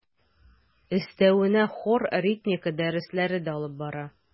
Өстәвенә хор, ритмика дәресләре дә алып бара.